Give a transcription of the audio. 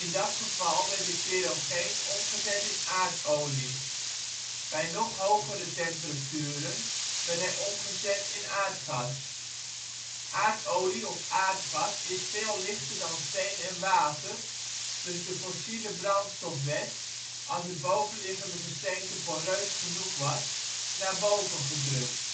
dat geval werd de kerogeen omgezet in aardolie. Bij nog hogere temperaturen werd hij omgezet in aardgas. Aardolie of aardgas is veel lichter dan steen en water, dus de fossiele brandstof werd, als het bovenliggende gesteente poreus genoeg was, naar boven gedrukt